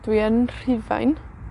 Dwi yn Rhufain.